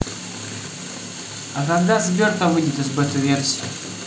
а когда сбер то выйдет из бета версии